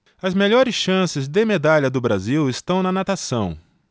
as melhores chances de medalha do brasil estão na natação